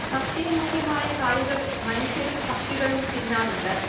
ഭക്ഷ്യയോഗ്യമായ കായ്കൾ മനുഷ്യരും പക്ഷികളും തിന്നാറുണ്ട്